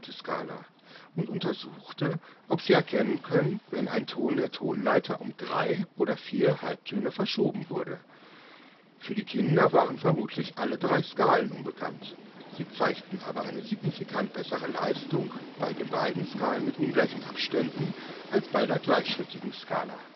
Skala - und untersuchte, ob sie erkennen können, wenn ein Ton der Tonleiter um drei oder vier Halbtöne verschoben wurde. Für die Kinder waren vermutlich alle drei Skalen unbekannt, sie zeigten aber eine signifikant bessere Leistung bei den beiden Skalen mit ungleichen Abständen als bei der gleichschrittigen Skala